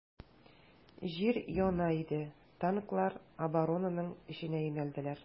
Җир яна иде, танклар оборонаның эченә юнәлделәр.